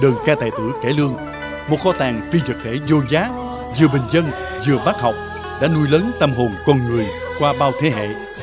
đờn ca tài tử cải lương một kho tàng phi vật thể vô giá vừa bình dân vừa bác học đã nuôi lớn tâm hồn con người qua bao thế hệ